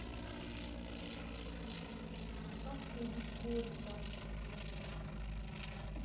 как выбить кольта